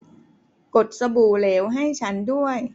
กดสบู่เหลวให้ฉันด้วย